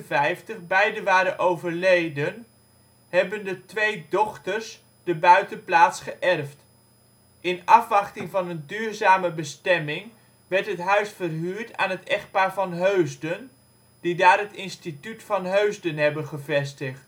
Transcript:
1956 beiden waren overleden hebben de twee dochters de buitenplaats geërfd. In afwachting van een duurzame bestemming werd het huis verhuurd aan het echtpaar Van Heusden, die daar het Instituut Van Heusden hebben gevestigd